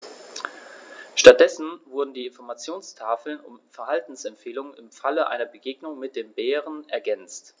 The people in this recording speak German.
Stattdessen wurden die Informationstafeln um Verhaltensempfehlungen im Falle einer Begegnung mit dem Bären ergänzt.